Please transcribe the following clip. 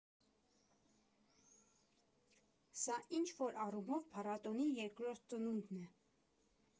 Սա ինչ֊որ առումով փառատոնի երկրորդ ծնունդն է։